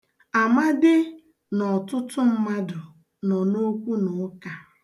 Amadị na ọtụtụ mmadụ nọ n'okwunụụka.